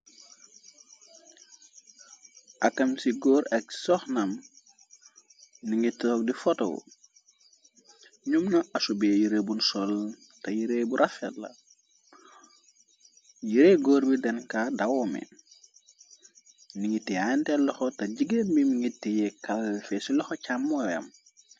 Akam ci góor ak soknam ni ngit tow di fhoto ñum nga ashubé yireebul sol te yirée bu raferla yiree góor bi denka dawome ni ngit ye andellxo ta jigéen bi ngit ti ye kall fe ci loxo càm mooyam.